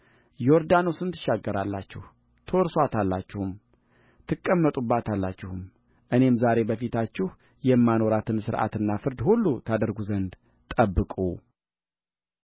ዮርዳኖስን ትሻገራላችሁ ትወርሱአታላችሁም ትቀመጡባታላችሁምእኔም ዛሬ በፊታችሁ የማኖራትን ሥርዓትና ፍርድ ሁሉ ታደርጉ ዘንድ ጠብቁ